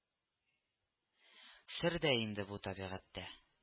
Сер дә инде бу табигатьтә